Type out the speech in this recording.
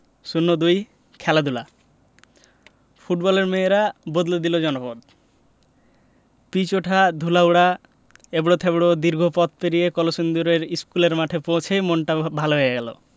০২ খেলাধুলা ফুটবলের মেয়েরা বদলে দিল জনপদ পিচ ওঠা ধুলো ওড়া এবড়োতেবড়ো দীর্ঘ পথ পেরিয়ে কলসিন্দুর স্কুলমাঠে পৌঁছেই মনটা ভালো হয়ে গেল